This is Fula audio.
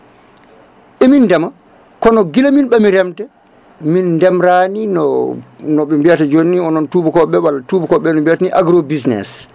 emin ndeema kono guila min ɓaami remde min ndemrani no noɓe mbiyata joni ni onoon tubakoɓeɓe walla tubakoɓeɓe no mbiyata ni agrobusiness